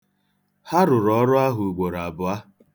Ha rụrụ ọrụ ahụ ugboroabụọ.